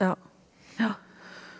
ja ja.